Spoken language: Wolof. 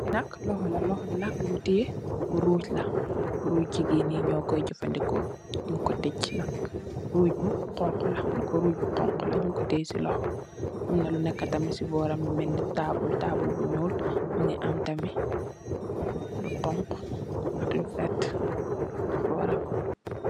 Lii nak lokhor la, lokhor bii nak lum tiyeh ruuch la, ruuch gigain njee njur koi jeufandehkor, njung kor teuch nak, ruuch bu honku la, manekor ruuch bu honku la, njung kor tiyeh cii lokhor, amna lu neka tamit cii bohram lu melni taabul, taabul bu njull, mungy am tamit lu honku, ak lu vertue cii bohram.